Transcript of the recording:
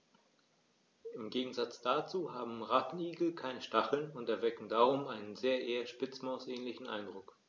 Im Gegensatz dazu haben Rattenigel keine Stacheln und erwecken darum einen eher Spitzmaus-ähnlichen Eindruck.